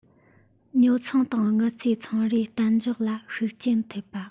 ཉོ ཚོང དང དངུལ རྩའི ཚོང རའི བརྟན འཇགས ལ ཤུགས རྐྱེན ཐེབས པ